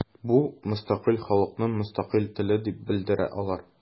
Бу – мөстәкыйль халыкның мөстәкыйль теле дип белдерә алар.